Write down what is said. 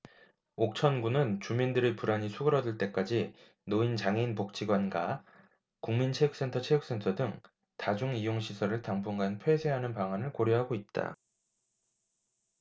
옥천군은 주민들의 불안이 수그러들 때까지 노인장애인복지관과 국민체육센터 체육센터 등 다중 이용시설을 당분간 폐쇄하는 방안을 고려하고 있다